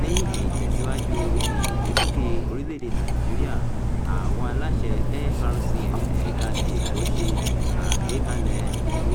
Ní ìtẹ̀síwájú ìgbésókè orílẹ̀-èdèe Nàìjíríà, àwọn aláṣẹ FRCN Ẹ̀ka ti Èkó ṣe àgbékalẹ̀